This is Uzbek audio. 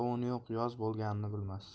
sovuni yo'q yoz bo'lganini bilmas